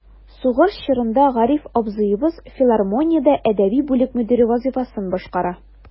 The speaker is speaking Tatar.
Сугыш чорында Гариф абзыебыз филармониядә әдәби бүлек мөдире вазыйфасын башкара.